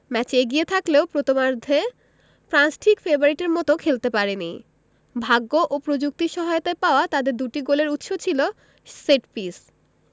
ম্যাচে এগিয়ে থাকলেও প্রথমার্ধে ফ্রান্স ঠিক ফেভারিটের মতো খেলতে পারেনি ভাগ্য ও প্রযুক্তির সহায়তায় পাওয়া তাদের দুটি গোলের উৎস ছিল সেটপিস